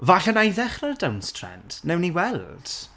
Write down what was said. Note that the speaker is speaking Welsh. Falle wna i ddechrau dance trend? Wnawn ni weld.